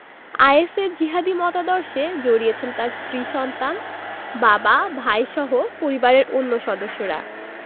আইএসের জিহাদি মতাদর্শে জড়িয়েছেন তাঁর স্ত্রী সন্তান বাবা ভাইসহ পরিবারের অন্য সদস্যরা